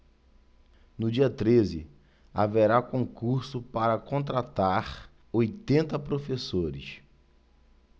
no dia treze haverá concurso para contratar oitenta professores